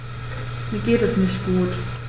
Mir geht es nicht gut.